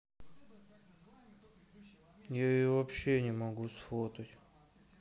я ее вообще не могу сфотать